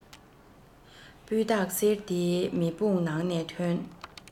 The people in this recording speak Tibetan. སྤུས དག གསེར དེ མེ དཔུང ནང ནས ཐོན